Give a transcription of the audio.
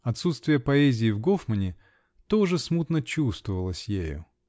Отсутствие поэзии в Гофмане тоже смутно чувствовалось ею.